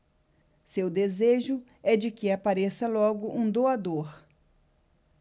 seu desejo é de que apareça logo um doador